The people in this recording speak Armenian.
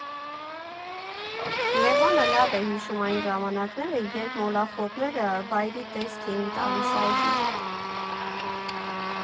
Լևոնը լավ է հիշում այն ժամանակները, երբ մոլախոտները վայրի տեսք էին տալիս այգուն։